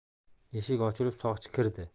eshik ochilib soqchi kirdi